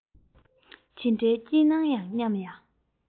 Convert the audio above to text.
ཇི འདྲའི སྐྱིད ཨང སྙམ ཡང